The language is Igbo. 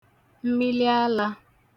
mmilīala